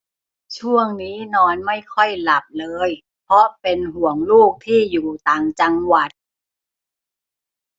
ช่วงนี้นอนไม่ค่อยหลับเลยเพราะเป็นห่วงลูกที่อยู่ต่างจังหวัด